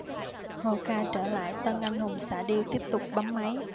hồ ca trở lại tân anh hùng xạ điêu tiếp tục bấm máy